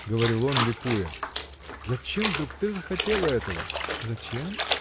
— говорил он, ликуя, — зачем вдруг ты захотела этого? — Зачем?.